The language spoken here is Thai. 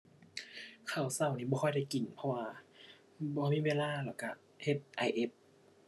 ข้าวเช้านี่บ่ค่อยได้กิน เพราะว่าบ่มีเวลาแล้วเช้า เฮ็ด IF